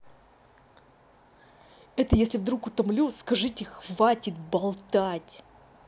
это если вдруг утомлю скажите хватит болтать